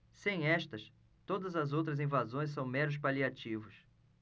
sem estas todas as outras invasões são meros paliativos